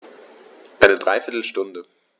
Eine dreiviertel Stunde